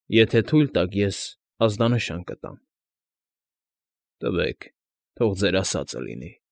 Եթե թույլ տաք, ես ազդանշան կտամ։ ֊ Տվեք, թող ձեր ասածը լինի։